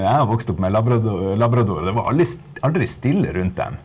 jeg har vokst opp med labrador og det var aldri stille rundt dem.